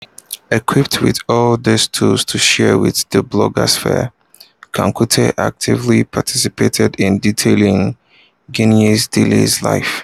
Equipped with all these tools to share with the blogosphere, Kouyaté actively participated in detailing Guinean's daily life.